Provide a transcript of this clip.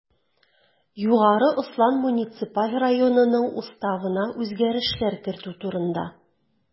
Югары Ослан муниципаль районынның Уставына үзгәрешләр кертү турында